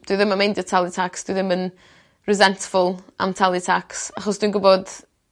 dwi ddim yn meindio talu tax dwi ddim yn resentfull am talu tax achos dwi'n gwbod